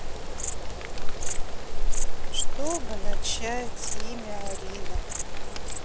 чтобы начать имя арина